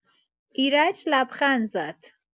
ایرج لبخند زد.